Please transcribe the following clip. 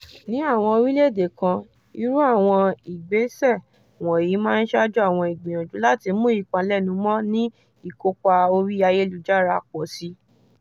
Ní àwọn orílẹ̀-èdè kan, irú àwọn ìgbésẹ̀ wọ̀nyìí máa ṣáájú àwọn ìgbìyànjú láti mú ìpalẹ́numọ́ ní ìkópa orí ayélujára pọ̀ síi .